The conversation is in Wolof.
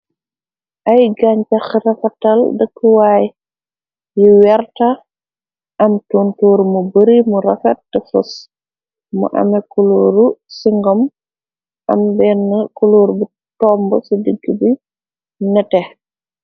Ay gaañchax rafatal dëkkuwaay yi werta am tuntuur mu bari mu rafate fos mu ame kuluuru singom am benn kuluur bu tomb ci dijg bi nete.